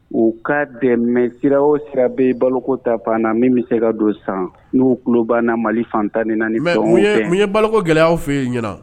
U ka dɛmɛ sira o sira bɛ bolo ko ta fan na min bɛ se ka don san. Nu kulo ban na Mali fan tan ni naani fɛn o fɛn. Mais mun ye bolo ko gɛlɛya aw fe yen ɲɛna?